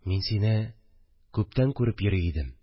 – мин сине күптән күреп йөри идем